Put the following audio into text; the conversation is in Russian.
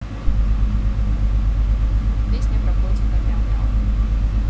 песня про котика мяу мяу